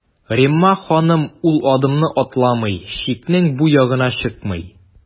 Римма ханым ул адымны атламый, чикнең бу ягына чыкмый.